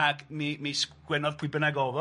Ac mi mi sgwennodd pwy bynnag o'dd o,